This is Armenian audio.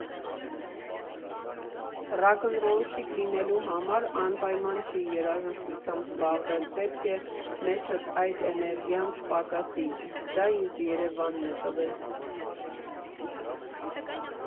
Ռաքնռոլշիկ լինելու համար անպայման չի երաժշտությամբ զբաղվել, պետք է մեջդ այդ էներգիան չպակասի, իսկ դա ինձ Երևանն է տվել։